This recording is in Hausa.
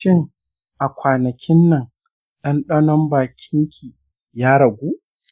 shin a kwanakinnan dandanon bakin ki ya ragu?